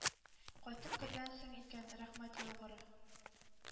Кайтып кергәнсең икән, рәхмәт яугыры“.